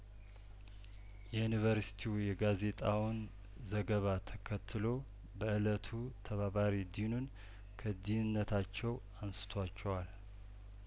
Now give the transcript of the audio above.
ይኒቨርሲቲው የጋዜጣውን ዘገባ ተከትሎ በእለቱ ተባባሪ ዲኑን ከዲንነታቸው አን ስቷቸዋል